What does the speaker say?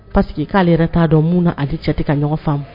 Parceri que k'ale yɛrɛ t'a dɔn mun na cɛti ka ɲɔgɔn faamu